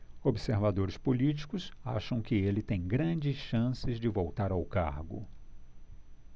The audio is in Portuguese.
observadores políticos acham que ele tem grandes chances de voltar ao cargo